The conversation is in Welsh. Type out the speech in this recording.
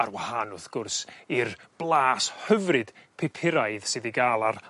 ar wahan wrth gwrs i'r blas hyfryd pupuraidd sydd i ga'l ar